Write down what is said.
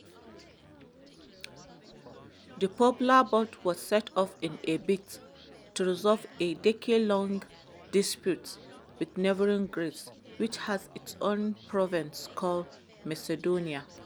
The popular vote was set up in a bid to resolve a decades-long dispute with neighboring Greece, which has its own province called Macedonia.